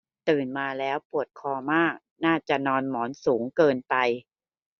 ตื่นมาแล้วปวดคอมากน่าจะนอนหมอนสูงเกินไป